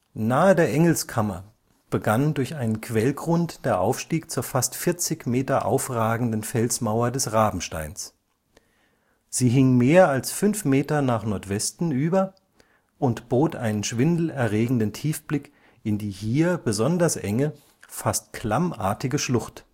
Nahe der Engelskammer begann durch einen Quellgrund der Aufstieg zur fast 40 m aufragenden Felsmauer des Rabensteins. Sie hing mehr als 5 m nach Nordwesten über und bot einen schwindelerregenden Tiefblick in die hier besonders enge, fast klammartige Schlucht